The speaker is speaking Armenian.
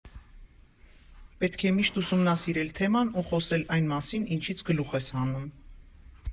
Պետք է միշտ ուսումնասիրել թեման ու խոսել այն մասին, ինչից գլուխ ես հանում։